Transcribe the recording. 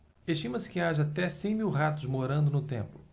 estima-se que haja até cem mil ratos morando no templo